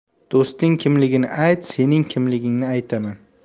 do'sting kimligini ayt sening kimligingni aytaman